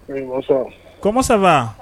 Kɔsa